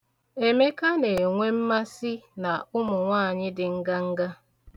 Emeka na-enwe mmasị na ụmụ nwaanyị dị nganga.